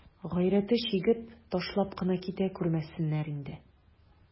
Гайрәте чигеп, ташлап кына китә күрмәсеннәр инде.